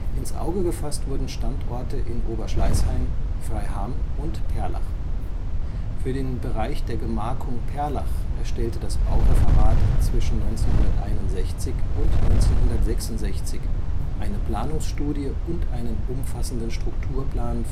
Ins Auge gefasst wurden Standorte in Oberschleißheim, Freiham und Perlach. Für den Bereich der Gemarkung Perlach erstellte das Baureferat zwischen 1961 und 1966 eine Planungsstudie und einen umfassenden Strukturplan